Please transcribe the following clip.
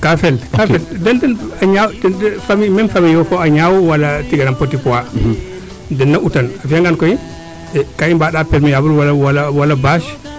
kaa fel den fo a ñaaw meme famille yo fa a ñaaw wala petit poids dena utan a fiya ngaan koy kaa i mbaanda permaillable wala bache